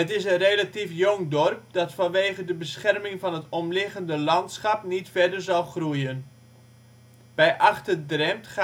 is een relatief jong dorp dat vanwege de bescherming van het omliggende landschap niet verder zal groeien. Bij Achter-Drempt